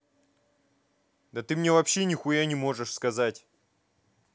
да ты мне вообще нихуя не можешь сказать